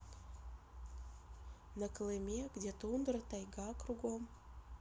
на колыме где тундра тайга кругом